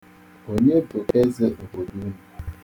Onye bụ eze obodo unu?